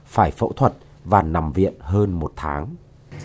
phải phẫu thuật và nằm viện hơn một tháng